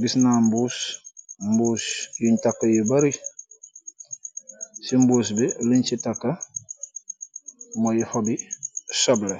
Giss na mbuss mbuss yun taka yu bari si mbuss bi lun si taka moi hoobi sooble